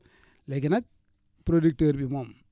léegi nag producteur bi moom